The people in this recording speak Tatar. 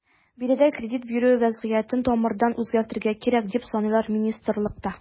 Биредә кредит бирү вәзгыятен тамырдан үзгәртергә кирәк, дип саныйлар министрлыкта.